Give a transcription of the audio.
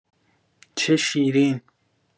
چه شیرین